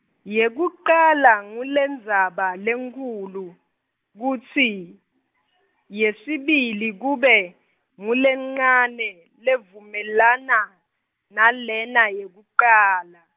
yekucala ngulendzaba lenkhulu, kutsi , yesibili kube, ngulencane, levumelana, nalena yekucala.